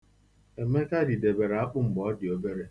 Emeka ridebere akpụ mgbe ọ dị obere.